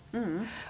ja.